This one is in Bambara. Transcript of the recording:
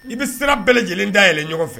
N'i bɛ sira bɛɛ lajɛlen da yɛlɛ ɲɔgɔn fɛ